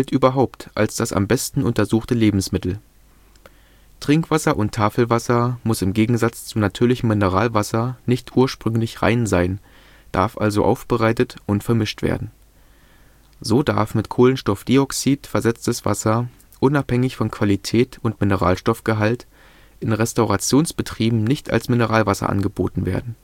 überhaupt als das am besten untersuchte Lebensmittel. Trinkwasser und Tafelwasser muss im Gegensatz zu natürlichem Mineralwasser nicht „ ursprünglich rein “sein, darf also aufbereitet und vermischt werden. So darf mit Kohlenstoffdioxid versetztes Wasser – unabhängig von Qualität und Mineralstoffgehalt – in Restaurationsbetrieben nicht als Mineralwasser angeboten werden